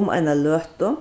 um eina løtu